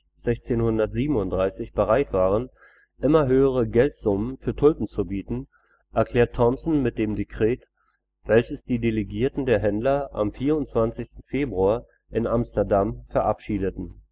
1637 bereit waren, immer höhere Geldsummen für Tulpen zu bieten, erklärt Thompson mit dem Dekret, welches die Delegierten der Händler am 24. Februar in Amsterdam verabschiedeten